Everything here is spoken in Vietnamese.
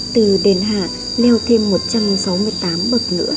từ đền hạ leo thêm bậc nữa